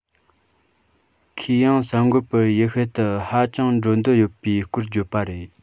ཁོས ཡང གསར འགོད པར ཡུལ ཤུལ དུ ཧ ཅང འགྲོ འདོད ཡོད པའི སྐོར བརྗོད པ རེད